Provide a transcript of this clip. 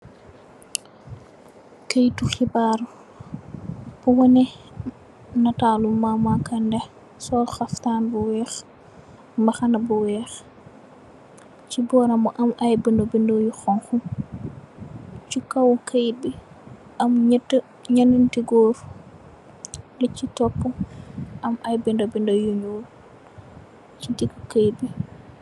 Keitu hebarr bu waneh natalu mama kandeh sol haftan bu weih mbahana bu weih sey boram mu am i bona bona yu hunhu sey kaw keit bi am nyeti nyenen ti gorr lu sey topu am I binda binda nyu nyuul sey digi keit bi .